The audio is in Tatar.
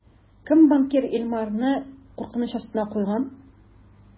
Кем банкир Илмарны куркыныч астына куйган?